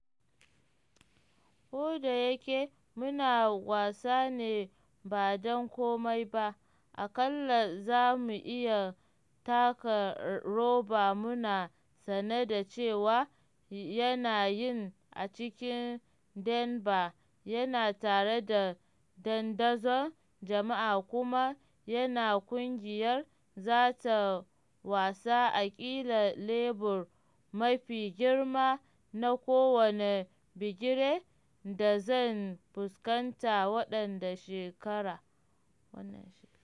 “Kodayake muna wasa ne ba dan kome ba, aƙalla za mu iya taka roba muna sane da cewa yanayin a cikin Denver yana tare da dandazon jama’a kuma ɗaya ƙungiyar za ta wasa a kila lebur mafi girma na kowane bigire da zan fuskanta wannan shekara.